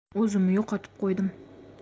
o'zimni yo'qotib qo'ydim